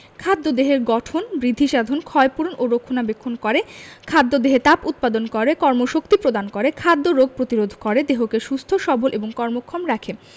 খাদ্য দেহের গঠন বৃদ্ধিসাধন ক্ষয়পূরণ ও রক্ষণাবেক্ষণ করে খাদ্য দেহে তাপ উৎপাদন করে কর্মশক্তি প্রদান করে খাদ্য রোগ প্রতিরোধ করে দেহকে সুস্থ সবল এবং কর্মক্ষম রাখে